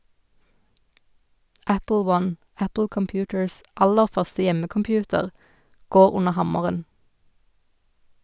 Apple 1, Apple Computers' aller første hjemmecomputer, går under hammeren.